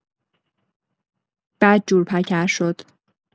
بدجور پکر شد.